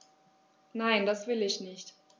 Nein, das will ich nicht.